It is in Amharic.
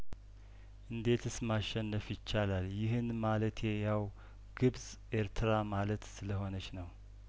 እንዴትስ ማሸነፍ ይቻላል ይህን ማለቴ ያው ግብጽ ኤርትራ ማለት ስለሆነች ነው